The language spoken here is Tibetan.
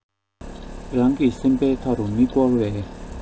རང གི སེམས པའི མཐའ རུ མི སྐོར བའི